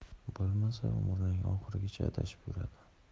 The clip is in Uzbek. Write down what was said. bo'lmasa umrining oxirigacha adashib yuradi